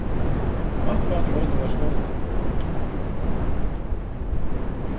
mappan hjá honum varð stolin